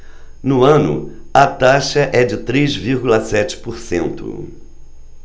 no ano a taxa é de três vírgula sete por cento